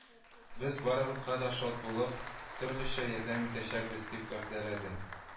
– без барыгызга да шат булып, төрлечә ярдәм итәчәкбез", - дип вәгъдәләде